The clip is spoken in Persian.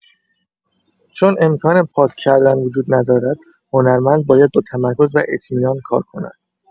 چون امکان پاک‌کردن وجود ندارد، هنرمند باید با تمرکز و اطمینان کار کند.